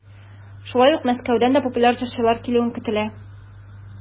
Шулай ук Мәскәүдән дә популяр җырчылар килүе көтелә.